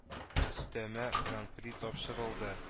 Өстәмә гран-при тапшырылды